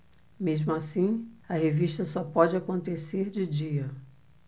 mesmo assim a revista só pode acontecer de dia